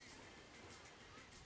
кто поет песню катюша